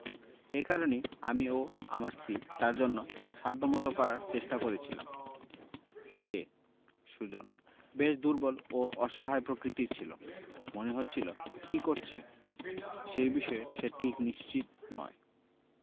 এ কারণেই আমি ও আমার স্ত্রী তাঁর জন্য সাধ্যমতো করার চেষ্টা করেছিলাম সে সুজন বেশ দুর্বল ও অসহায় প্রকৃতির ছিল মনে হচ্ছিল কী করছে সেই বিষয়ে সে ঠিক নিশ্চিত নয়